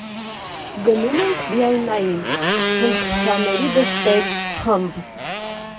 Գնում ենք Բիայնային (Սնխչյանների դստեր ֊ խմբ.